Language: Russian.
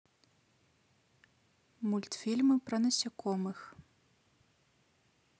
мультфильмы про насекомых